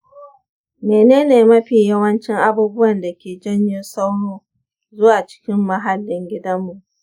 mene ne mafi yawancin abubuwan da ke janyo sauro zuwa cikin muhallin gidanmu?